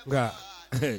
Nka